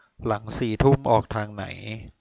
หลังสี่ทุ่มออกทางไหน